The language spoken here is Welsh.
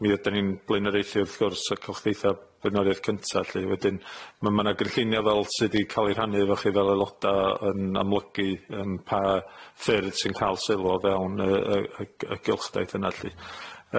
mi ydan ni'n blaenoraethu wrth gwrs y Cylchdeithia Blaenoriaeth Cynta lly wedyn ma' ma' 'na gynllunio fel sy' 'di ca'l 'i rhannu efo chi fel aeloda yn amlygu yym pa ffyrdd sy'n ca'l sylw o fewn yy yy yy gylchdaith yna lly.